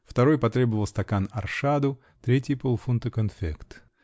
Второй потребовал стакан оршаду, третий -- полфунта конфект.